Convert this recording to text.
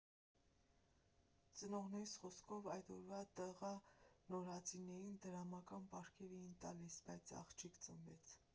Ծնողներիս խոսքով՝ այդ օրվա տղա նորածիններին դրամական պարգև էին տալիս, բայց աղջիկ ծնվեց։